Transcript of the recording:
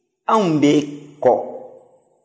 anw bɛ kɔ